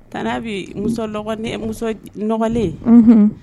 Tan n' bɛ nɔgɔlen